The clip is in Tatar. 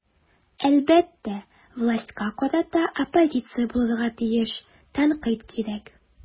Әлбәттә, властька карата оппозиция булырга тиеш, тәнкыйть кирәк.